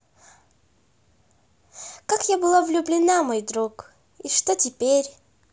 как я была влюблена мой друг и что теперь